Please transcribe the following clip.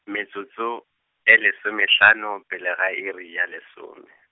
metsotso, e lesomehlano pele ga iri ya lesome.